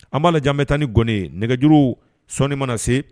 An b'a lajɛ an bɛ taa ni gɔnin ye nɛgɛjuru sɔnɔni mana na se,